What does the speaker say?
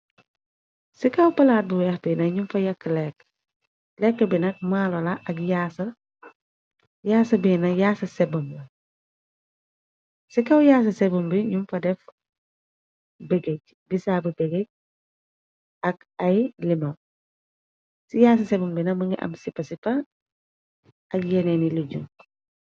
Ci kaw palaat bu weex bina, ñu lekk binak maalo la, ci kaw yaasa sebum bi, ñu fa def begej, bisaa bi begej ak ay limon, ci yaas sebumbina, më nga am sipa-sipa ak yeneeni lijju.